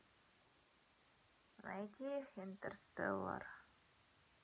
найди интерстеллар